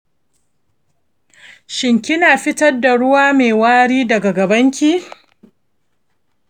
shin kina fitar da ruwa mai wari daga gabanki